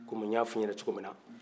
komi n'ya fɔ i ɲɛna cogomin na